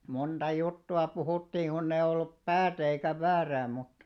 monta juttua puhuttiin kun ei ollut päätä eikä väärää mutta